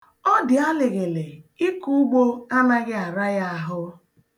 Ọ dị alịghịlị, ịkọ ugbo anaghị ara ya ahụ.